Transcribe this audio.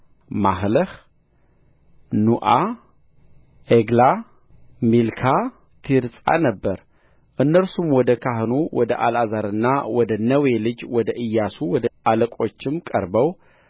ማህለህ ኑዓ ዔግላ ሚልካ ቲርጻ ነበረ እነርሱም ወደ ካህኑ ወደ አልዓዛርና ወደ ነዌ ልጅ ወደ ኢያሱ ወደ አለቆችም ቀርበው